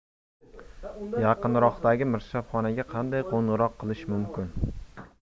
yaqinroqdagi mirshabxonaga qanday qo'ng'iroq qilish mumkin